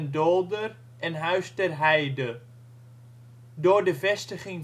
Dolder en Huis ter Heide. Door de vestiging